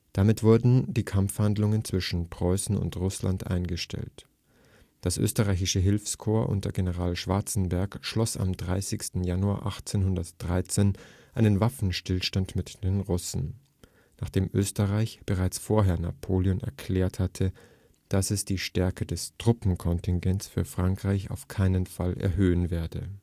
Damit wurden die Kampfhandlungen zwischen Preußen und Russland eingestellt. Das österreichische Hilfskorps unter General Schwarzenberg schloss am 30. Januar 1813 einen Waffenstillstand mit den Russen, nachdem Österreich bereits vorher Napoleon erklärt hatte, dass es die Stärke des Truppenkontingents für Frankreich auf keinen Fall erhöhen werde